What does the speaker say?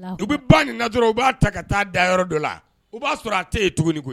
Dugubi ba dɔrɔn u b'a ta ka taa da yɔrɔ dɔ la b'a sɔrɔ a tɛ ye tuguni koyi